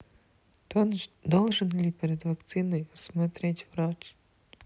должен ли перед вакцинацией осмотреть врач